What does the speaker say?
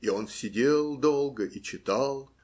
И он сидел долго и читал.